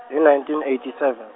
hi nineteen eighty seven.